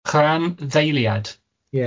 Rhanddeiliad? Ie.